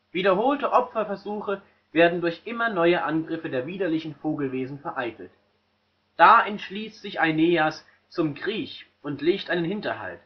Wiederholte Opferversuche werden durch immer neue Angriffe der widerlichen Vogelwesen vereitelt. Da entschließt sich Aeneas zum Krieg und legt einen Hinterhalt